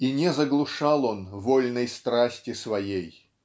и не заглушал он вольной страсти своей